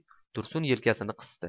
tursun yelkasini qisdi